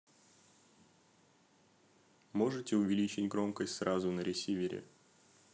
можешь увеличить громкость сразу на ресивере